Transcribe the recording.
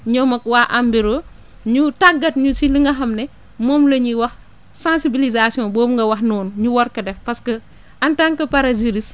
ñoom ak waa Embero ñu tàggat ñu si li nga xam ne moom la ñuy wax sensibilisation boobu nga wax noonu ñu war ko def parce que en tant que parajuriste